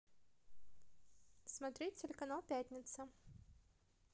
смотреть телеканал пятница